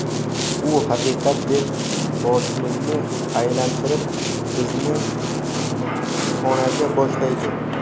u haqiqat deb boshimizni aylantirib bizni kushxonaga boshlaydi